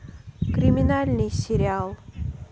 криминальный сериал